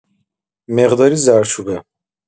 مقداری زردچوبه